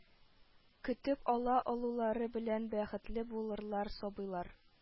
Көтеп ала алулары белән бәхетле булырлар, сабыйлар